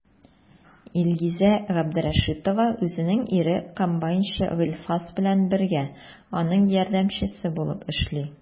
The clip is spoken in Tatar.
Илгизә Габдрәшитова үзенең ире комбайнчы Гыйльфас белән бергә, аның ярдәмчесе булып эшли.